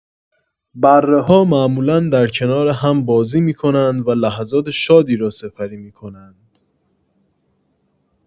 بره‌ها معمولا در کنار هم‌بازی می‌کنند و لحظات شادی را سپری می‌کنند.